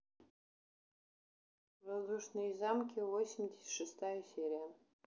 воздушные замки восемьдесят шестая серия